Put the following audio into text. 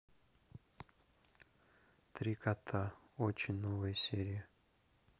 три кота очень новые серии